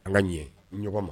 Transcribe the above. An ka ɲɛ ɲɔgɔn ma